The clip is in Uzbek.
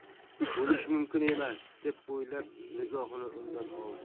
bo'lishi mumkin emas deb o'ylab nigohini undan oldi